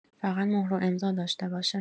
فقط مهر و امضا داشته باشه